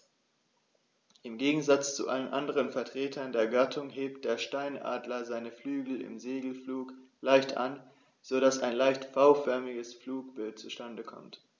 Im Gegensatz zu allen anderen Vertretern der Gattung hebt der Steinadler seine Flügel im Segelflug leicht an, so dass ein leicht V-förmiges Flugbild zustande kommt.